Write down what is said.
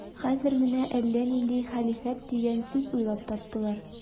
Хәзер менә әллә нинди хәлифәт дигән сүз уйлап таптылар.